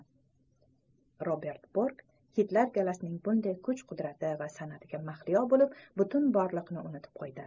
robert bork kitlar galasining bunday kuch qudrati va san'atiga mahliyo bo'lib butun borliqni unutib qo'ydi